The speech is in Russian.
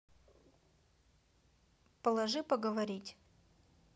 положи поговорить